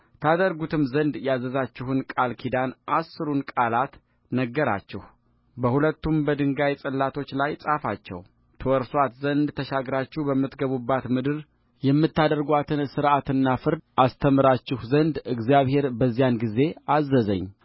ታደርጉትም ዘንድ ያዘዛችሁን ቃል ኪዳን አሥሩን ቃላት ነገራችሁ በሁለቱም በድንጋይ ጽላቶች ላይ ጻፋቸውትወርሱአት ዘንድ ተሻግራችሁ በምትገቡባት ምድር የምታደርጉአትን ሥርዓትና ፍርድ አስተምራችሁ ዘንድ እግዚአብሔር በዚያን ጊዜ አዘዘኝ